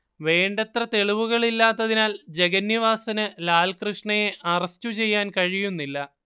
വേണ്ടത്ര തെളിവുകളില്ലാത്തതിനാൽ ജഗന്നിവാസനു ലാൽകൃഷ്ണയെ അറസ്റ്റു ചെയ്യാൻ കഴിയുന്നില്ല